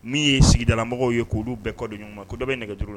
Min ye sigidalabagaw ye k'olu bɛɛ kɔdɔ ɲɔgɔn ma ko dɔ bɛ nɛgɛtura la